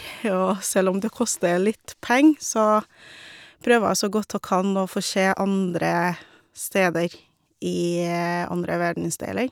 Og selv om det koster litt penger, så prøver jeg så godt jeg kan å få se andre steder i andre verdensdeler.